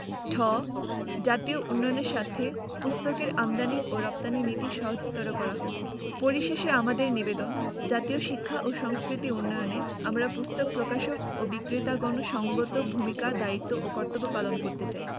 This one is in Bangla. ঠ জাতীয় উন্নয়নের স্বার্থে পুস্তকের আমদানী ও রপ্তানী নীতি সহজতর করা হোক পরিশেষে আমাদের নিবেদন জাতীয় শিক্ষা ও সংস্কৃতি উন্নয়নে আমরা পুস্তক প্রকাশক ও বিক্রেতাগণ সঙ্গত ভূমিকা দায়িত্ব ও কর্তব্য পালন করতে চাই